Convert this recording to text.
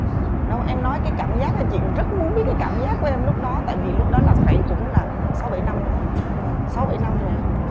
đâu em nói cái cảm giác đó chị rất muốn biết cảm giác của em lúc đó tại vì lúc đó là phải cũng là sáu bảy năm đúng không sáu bảy năm rồi